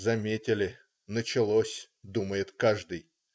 "Заметили, началось",- думает каждый.